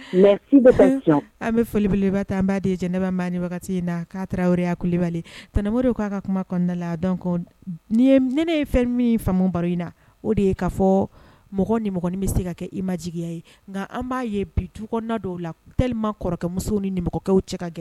Nka an bɛ folibele taa an bbaa de jɛnɛ ne bɛ ni in na k'a tarawelereya kuli kulubali tmo'a ka kumada la dɔn ni ne ye fɛn min fa baro in na o de ye'a fɔ mɔgɔ niin bɛ se ka kɛ i ma jigiya ye nka an b'a ye bi du dɔw la terilima kɔrɔkɛmuso ni cɛ ka gɛlɛn